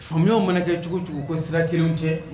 Faamuya mana kɛ cogo cogo ko sira kelen cɛ